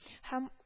Һәм